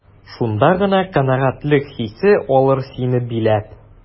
Шунда гына канәгатьлек хисе алыр сине биләп.